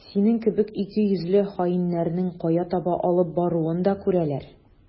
Синең кебек икейөзле хаиннәрнең кая таба алып баруын да күрәләр.